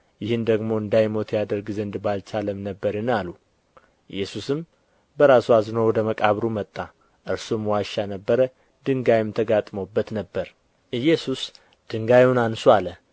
ይህን ደግሞ እንዳይሞት ያደርግ ዘንድ ባልቻለም ነበርን አሉ ኢየሱስም በራሱ አዝኖ ወደ መቃብሩ መጣ እርሱም ዋሻ ነበረ ድንጋይም ተገጥሞበት ነበር ኢየሱስ ድንጋዩን አንሡ አለ